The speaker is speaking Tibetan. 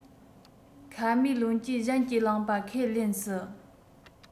ཁ མའེ ལུན གྱིས གཞན གྱིས བླངས པ ཁས ལེན སྲིད